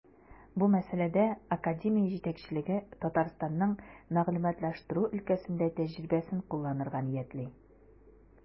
Бу мәсьәләдә академия җитәкчелеге Татарстанның мәгълүматлаштыру өлкәсендә тәҗрибәсен кулланырга ниятли.